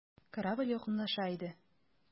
Корабль якынлаша иде.